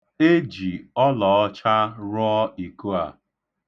E ji ọlọọcha rụọ iko a.